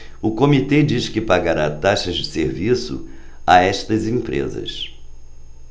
o comitê diz que pagará taxas de serviço a estas empresas